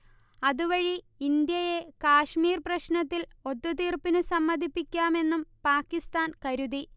അതുവഴി ഇന്ത്യയെ കാശ്മീർ പ്രശ്നത്തിൽ ഒത്തുതീർപ്പിന് സമ്മതിപ്പിക്കാമെന്നും പാകിസ്താൻ കരുതി